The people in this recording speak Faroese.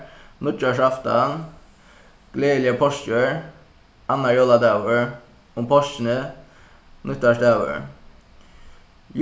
nýggjársaftan gleðiligar páskir annar jóladagur um páskirnar nýttársdagur